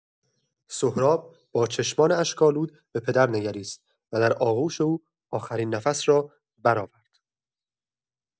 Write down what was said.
سهراب، با چشمان اشک‌آلود به پدر نگریست، و در آغوش او، آخرین نفس را برآورد.